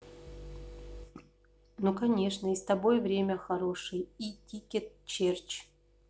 ну конечно и с тобой время хороший и ticket черч